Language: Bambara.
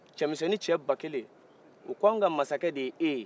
cɛmisɛnnin cɛ ba kelen u ko an ka masakɛ de ye e ye